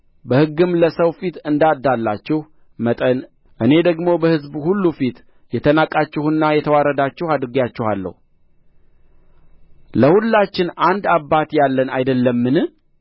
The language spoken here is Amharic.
በሕግም ለሰው ፊት እንዳዳላችሁ መጠን እኔ ደግሞ በሕዝብ ሁሉ ፊት የተናቃችሁና የተዋረዳችሁ አድርጌአችኋለሁ ለሁላችን አንድ አባት ያለን አይደለምን